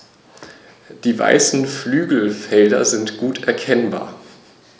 Die weißen Flügelfelder sind gut erkennbar.